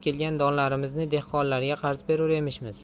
kelgan donlarimizni dehqonlarga qarz berur emishmiz